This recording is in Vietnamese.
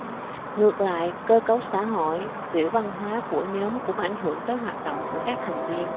ngược lại cơ cấu xã hội tiểu văn hóa của nhóm cũng ảnh hưởng tới hoạt động của các thành viên